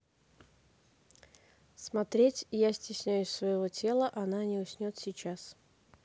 смотреть я стесняюсь своего тела она не уснет сейчас